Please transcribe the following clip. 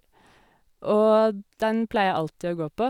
Og den pleier jeg alltid å gå på.